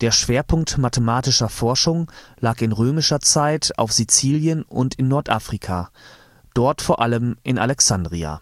der Schwerpunkt mathematischer Forschung lag in römischer Zeit auf Sizilien und in Nordafrika, dort vor allem in Alexandria